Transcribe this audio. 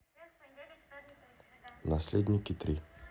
наследники три